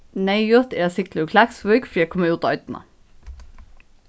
neyðugt er at sigla úr klaksvík fyri at koma út á oynna